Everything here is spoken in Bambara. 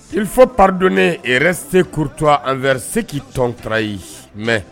I fɔ padonnen a yɛrɛ se kuru anfɛ se k'i tɔnonkarara ye mɛ